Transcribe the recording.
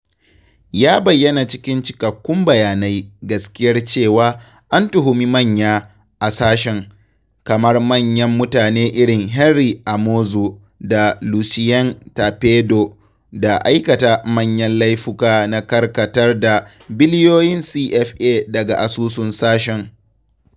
Ya bayyana cikin cikakkun bayanai gaskiyar cewa an tuhumi 'manya' a sashen, kamar manyan mutane irin Henri Amouzou da Lucien Tapé Doh, da aikata manyan laifuka na karkatar da biliyoyin CFA daga asusun sashen.